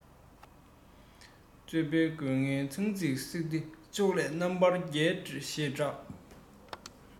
རྩོད པས རྒོལ ངན ཚང ཚིང བསྲེགས ཏེ ཕྱོགས ལས རྣམ པར རྒྱལ ཞེས གྲགས